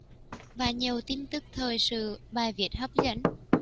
và nhiều tin tức thời sự bài viết hấp dẫn